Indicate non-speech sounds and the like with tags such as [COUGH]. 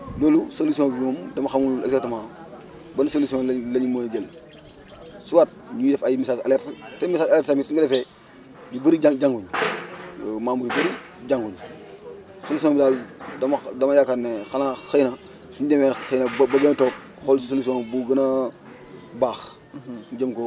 léegi nag loolu solution bi moom dama xamul exactement ban solution lañ lañ mën a jël [CROSSTALK] soit ñuy def ay messages alertes [CROSSTALK] te message alete tamit su ñu ko defee ñu bëri jà jàngu ñu [NOISE] [HESITATION] membres yu bëri jàngu ñu solution bi daal dama xa dama yaakaar ne xanaa xëy na suñ demee xëy na ba ba ba gën a toog xool solution bu gën a baax